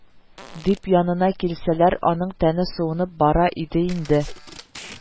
– дип янына килсәләр, аның тәне суынып бара иде инде